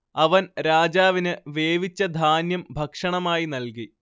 അവൻ രാജാവിന് വേവിച്ച ധാന്യം ഭക്ഷണമായി നൽകി